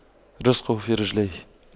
رِزْقُه في رجليه